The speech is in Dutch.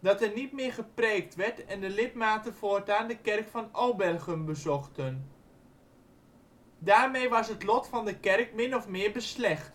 dat er niet meer gepreekt werd en de lidmaten voortaan de kerk van Obergum bezochten. Daarmee was het lot van de kerk min of meer beslecht